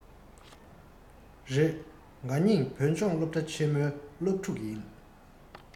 རེད ང གཉིས བོད ལྗོངས སློབ གྲ ཆེན མོའི སློབ ཕྲུག ཡིན